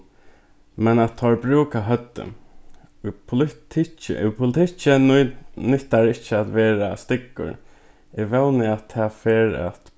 men at teir brúka høvdið í politikki í politikki nyttar ikki at vera styggur eg vóni at tað fer at